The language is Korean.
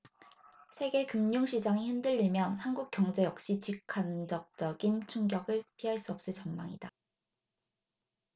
세계 금융시장이 흔들리면 한국 경제 역시 직간접적인 충격을 피할 수 없을 전망이다